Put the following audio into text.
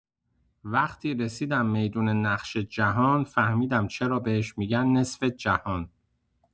وقتی رسیدم می‌دون نقش جهان، فهمیدم چرا بهش می‌گن نصف جهان.